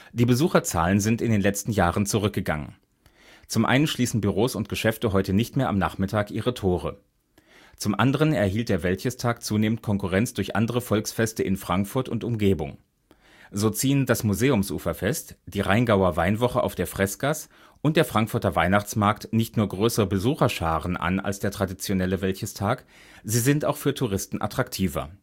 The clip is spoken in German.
Die Besucherzahlen sind in den letzten Jahren zurückgegangen. Zum einen schließen Büros und Geschäfte heute nicht mehr am Nachmittag ihre Tore. Zum anderen erhielt der Wäldchestag zunehmend Konkurrenz durch andere Volksfeste in Frankfurt und Umgebung. So ziehen das Museumsuferfest, die Rheingauer Weinwoche auf der Freßgass und der Frankfurter Weihnachtsmarkt nicht nur größere Besucherscharen an als der traditionelle Wäldchestag, sie sind auch für Touristen attraktiver